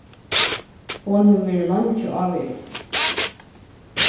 hon hevur verið leingi ávegis